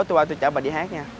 qua tôi chở bà đi hát nha